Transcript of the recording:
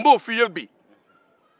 n b'o fi' ya bi